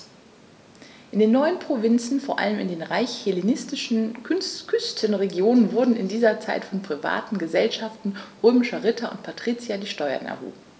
In den neuen Provinzen, vor allem in den reichen hellenistischen Küstenregionen, wurden in dieser Zeit von privaten „Gesellschaften“ römischer Ritter und Patrizier die Steuern erhoben.